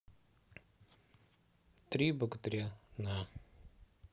три богатыря на